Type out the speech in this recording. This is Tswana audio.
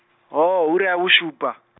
oh, ura ya bosupa .